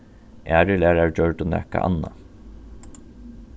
aðrir lærarar gjørdu nakað annað